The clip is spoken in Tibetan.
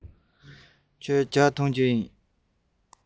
ཁྱོད རང གསོལ ཇ མཆོད མཁན ཡིན པས